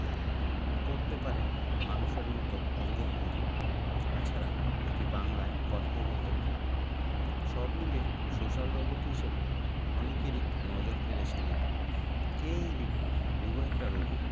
করতে পারে মানুষের মতো অঙ্গভঙ্গি এছাড়া এটি বাংলায় কথাও বলতে পারে সব মিলিয়ে সোশ্যাল রোবট হিসেবে অনেকেরই নজর কেড়েছে রিবো কে এই রিবো রিবো একটা রোবট